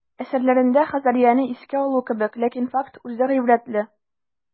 Әсәрләрендә Хазарияне искә алу кебек, ләкин факт үзе гыйбрәтле.